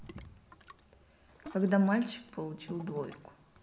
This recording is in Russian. когда мальчик получил двойку